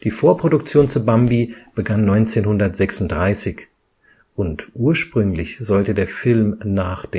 Vorproduktion zu Bambi begann 1936, und ursprünglich sollte der Film nach